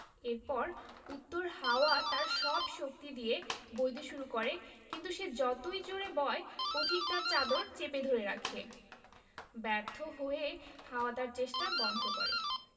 এরপর উত্তর হাওয়া তার সব শক্তি দিয়ে বইতে শুরু করে কিন্তু সে যতই জোড়ে বয় পথিক তার চাদর চেপে ধরে রাখে ব্যর্থ হয়ে হাওয়া তার চেষ্টা বন্ধ করে